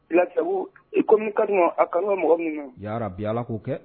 Filasa i kɔni ka a karamɔgɔ mɔgɔ minnu y'ara bi ala k'o kɛ